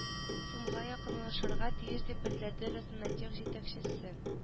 Сумга якынлашырга тиеш дип белдерде роснанотех җитәкчесе